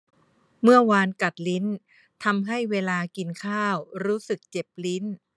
เมื่อวานกัดลิ้นทำให้เวลากินข้าวรู้สึกเจ็บลิ้น